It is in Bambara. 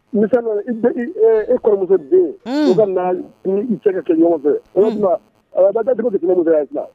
E kɔrɔmuso den se ka kɛ ɲɔgɔn fɛ a da damuso' dila